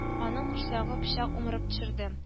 Аның корсагын пычак умырып төшерде